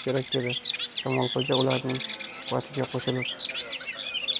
ham kerak dedi kamolxo'ja ularning suhbatiga qo'shilib